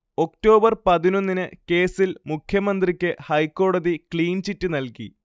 October പതിനൊന്നിന് കേസിൽ മുഖ്യമന്ത്രിക്ക് ഹൈക്കോടതി ക്ലീൻചിറ്റ് നൽകി